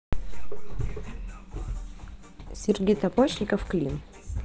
сергей табачников клин